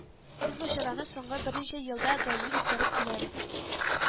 Без бу чараны соңгы берничә елда даими үткәреп киләбез